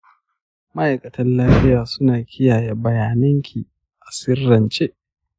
ma’aikatan lafiya suna kiyaye bayananki a sirrance.